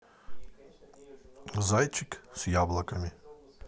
зайчик с яблоками